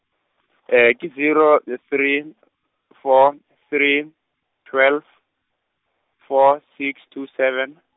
ke zero, le three, four, three, twelve, four, six, two, seven.